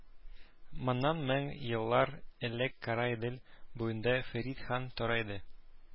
Моннан мең еллар элек Кара Идел буенда Фәрит хан тора иде.